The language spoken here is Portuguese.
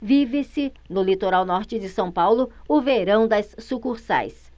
vive-se no litoral norte de são paulo o verão das sucursais